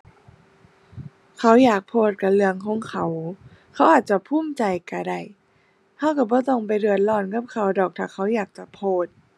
เขาอยากโพสต์ก็เรื่องของเขา เขาอาจจะภูมิใจก็ได้ ก็ก็บ่ต้องไปเดือดร้อนกับเขาดอก ถ้าเขาอยากจะโพสต์